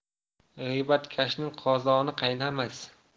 g'iybatkashning qozoni qaynamas